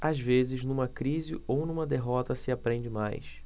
às vezes numa crise ou numa derrota se aprende mais